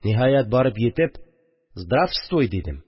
Ниһаять, барып җитеп: «Здрафтуй!» – дидем